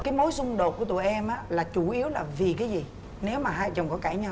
cái mối xung đột của tụi em á là chủ yếu là vì cái gì nếu mà hai vợ chồng có cãi nhau